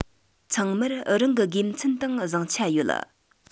ཚང མར རང གི དགེ མཚན དང བཟང ཆ ཡོད